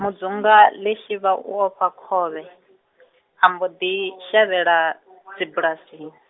Mudzunga Lishivha u ofha khovhe, a mbo ḓi, shavhela, dzibulasini.